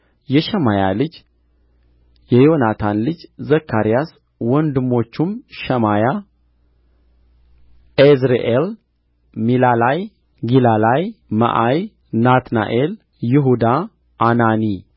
የሸማያ ልጅ የዮናታን ልጅ ዘካርያስ ወንድሞቹም ሸማያ ኤዝርኤል ሚላላይ ጊላላይ መዓይ ናትናኤል ይሁዳ አናኒ